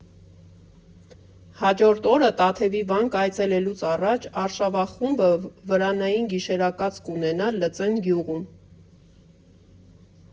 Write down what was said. Հաջորդ օրը՝ Տաթևի վանք այցելելուց առաջ, արշավախումբը վրանային գիշերակաց կունենա Լծեն գյուղում։